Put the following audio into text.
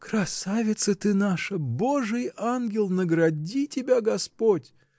— Красавица ты наша, Божий ангел, награди тебя Господь!